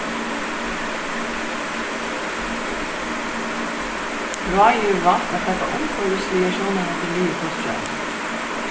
ráðið hevur valt at taka umhvørvisliga sjónarhornið við í kostráðini